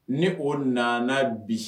Ni oo nana bi